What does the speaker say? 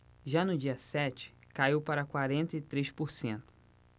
já no dia sete caiu para quarenta e três por cento